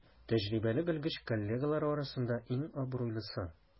Тәҗрибәле белгеч коллегалары арасында иң абруйлысы.